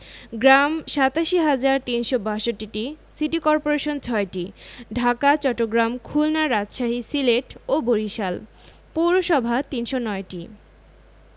গ্রাম ৮৭হাজার ৩৬২টি city corporation ৬টি ঢাকা চট্টগ্রাম খুলনা রাজশাহী সিলেট ও বরিশাল পৌরসভা ৩০৯টি